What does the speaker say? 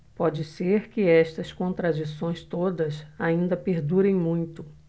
pode ser que estas contradições todas ainda perdurem muito